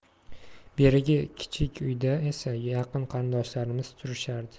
berigi kichik uyda esa yaqin qarindoshlarimiz turishardi